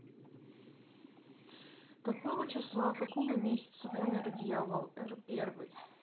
какого числа какого месяца умер дьявол р первый